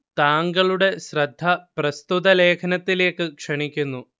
താങ്കളുടെ ശ്രദ്ധ പ്രസ്തുത ലേഖനത്തിലേക്ക് ക്ഷണിക്കുന്നു